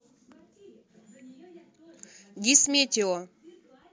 гисметео